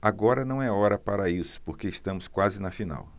agora não é hora para isso porque estamos quase na final